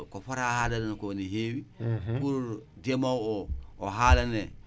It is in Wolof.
pour